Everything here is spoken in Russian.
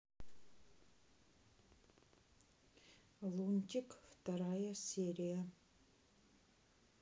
лунтик вторая серия